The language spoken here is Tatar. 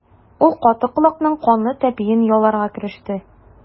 Ул каты колакның канлы тәпиен яларга кереште.